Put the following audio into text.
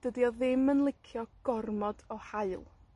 Dydi o ddim yn licio gormod o haul.